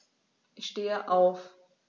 Ich stehe auf.